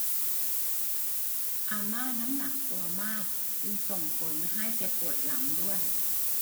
อาม่าน้ำหนักตัวมากจึงส่งผลให้แกปวดหลังด้วย